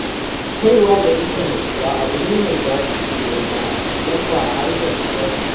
Kaiwa ga intanet ba abu ne mai daɗi sosai ba, idan ba a harshenka ba ne.